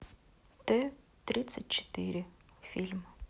т тридцать четыре фильм